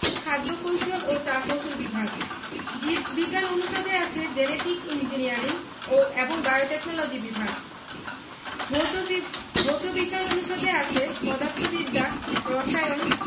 খাদ্য কৌশল এবং চা কৌশল বিভাগ জীব বিজ্ঞান অনুষদে আছে জেনেটিক ইঞ্জিনিয়ারিং এবং বায়োটেকনলজি বিভাগ ভৌত বিজ্ঞান অনুষদে আছে পদার্থবিদ্যা রসায়ন